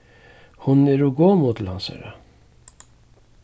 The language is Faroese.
hon er ov gomul til hansara